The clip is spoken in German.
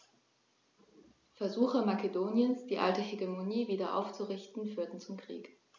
Versuche Makedoniens, die alte Hegemonie wieder aufzurichten, führten zum Krieg.